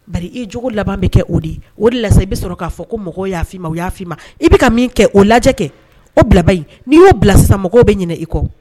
Bari i jogo laban bɛ kɛ o de ye. O de la la sa i bɛ sɔrɔ k'a fɔ ko mɔgɔw y'a fɔ i ma, o y'a f'i ma. I bɛ min kɛ o lajɛ kɛ,o bila banni, n'i y'o bila sisan mɔgɔw bɛ ɲinɛ i kɔ.